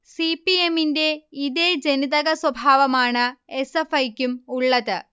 C. P. എമ്മിന്റെ ഇതേ ജനിതക സ്വഭാവമാണ് എസ്. എഫ്. ഐക്കും ഉള്ളത്